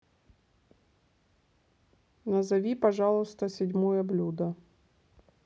назови пожалуйста седьмое блюдо